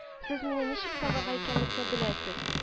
— сез мине ничек табарга икәнлекне беләсез